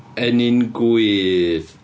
Ennyn gwydd.